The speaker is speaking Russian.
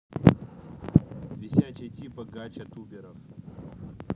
висячие типы gacha туберов